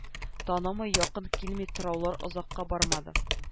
Танымый якын килми торулар озакка бармады